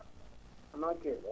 hono kiir?on